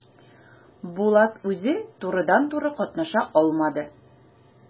Булат үзе турыдан-туры катнаша алмады.